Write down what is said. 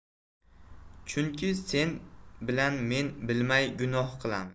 chunki sen bilan men bilmay gunoh qilamiz